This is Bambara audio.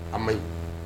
A ma ɲi